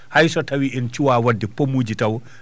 hay so tawii en cuwaa waɗde pomuji taw